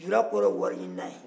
jula kɔrɔ ye wariɲinina ye